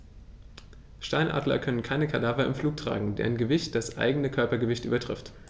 Steinadler können keine Kadaver im Flug tragen, deren Gewicht das eigene Körpergewicht übertrifft.